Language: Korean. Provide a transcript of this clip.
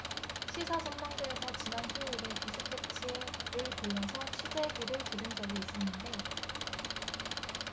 시사전망대에서 지난 수요일에 디스패치의 를 불러서 취재기를 들은 적이 있었는데